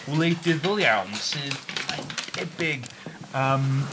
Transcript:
..wleidyddol iawn sydd, mae'n debyg, yym...